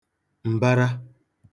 m̀bara